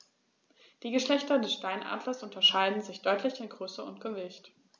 Die Geschlechter des Steinadlers unterscheiden sich deutlich in Größe und Gewicht.